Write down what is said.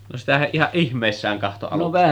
no sitähän ihan ihmeissään katsoi aluksi